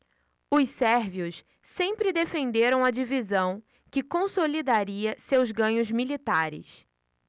os sérvios sempre defenderam a divisão que consolidaria seus ganhos militares